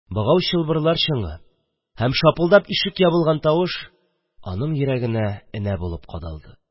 Богау-чылбырлар чыңы һәм шапылдап ишек ябылган тавыш аның йөрәгенә энә булып кадалды.